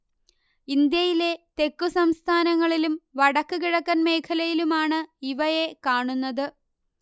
ഇന്ത്യയിലെ തെക്കുസംസ്ഥാനങ്ങളിലും വടക്ക് കിഴക്കൻ മേഖലയിലുമാണ് ഇവയെ കാണുന്നത്